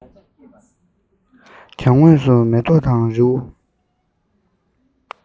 གྱང ངོས སུ མེ ཏོག དང རི བོ